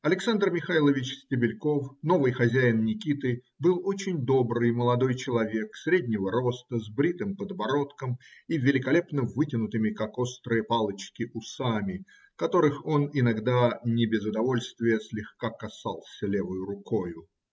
Александр Михайлович Стебельков, новый хозяин Никиты, был очень добрый молодой человек, среднего роста, с бритым подбородком и великолепно вытянутыми, как острые палочки, усами, которых он иногда не без удовольствия слегка касался левою рукою.